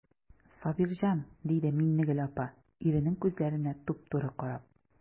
Сабирҗан,– диде Миннегөл апа, иренең күзләренә туп-туры карап.